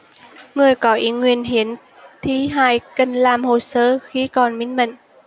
người có ý nguyện hiến thi hài cần làm hồ sơ khi còn minh mẫn